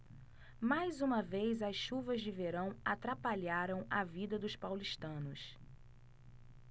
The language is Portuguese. mais uma vez as chuvas de verão atrapalharam a vida dos paulistanos